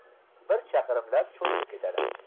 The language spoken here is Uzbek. bir chaqirimlab cho'zilib ketadi